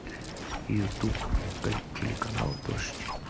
ютуб телеканал дождь